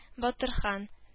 Батырхан